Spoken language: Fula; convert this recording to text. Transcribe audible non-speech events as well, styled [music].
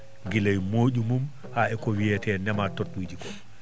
gila e mooƴƴu mum haa e ko wiyete nématodes uji ko [noise]